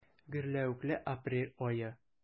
Гөрләвекле апрель ае.